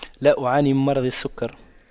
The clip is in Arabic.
لا أعاني من مرض السكر